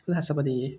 พฤหัสบดี